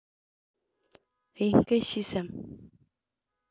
དབྱིན སྐད ཤེས སམ